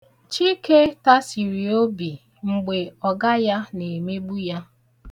Chike tasiri obi mgbe ọga ya na-emegbu ya.